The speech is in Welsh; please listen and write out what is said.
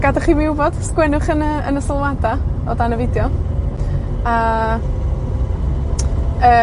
Gadwch i fi wbod, sgwennwch yn y, yn y sylwada, o dan y fideo, a, yy,